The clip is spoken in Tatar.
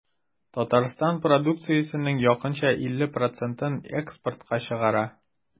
Татарстан продукциясенең якынча 50 процентын экспортка чыгара.